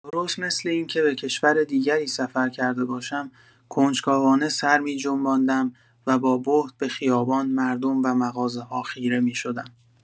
درست مثل اینکه به کشوری دیگر سفر کرده باشم کنجکاوانه سر می‌جنباندم و با بهت به خیابان، مردم و مغازه‌ها خیره می‌شدم.